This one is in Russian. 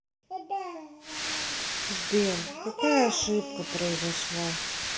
сбер какая ошибка произошла